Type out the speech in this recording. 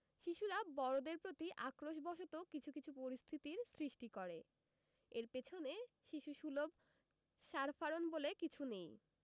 শিশুরা বড়দের প্রতি আক্রোশ বসত কিছু কিছু পরিস্থিতির সৃষ্টি করে এর পেছনে শিশুসুলভ সার ফারন বলে কিছু নেই